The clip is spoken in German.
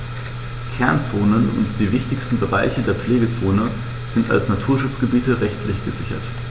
Kernzonen und die wichtigsten Bereiche der Pflegezone sind als Naturschutzgebiete rechtlich gesichert.